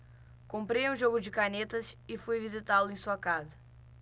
comprei um jogo de canetas e fui visitá-lo em sua casa